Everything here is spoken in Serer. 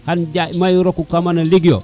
nan njaƴ mayu rokano kama ne ligeyo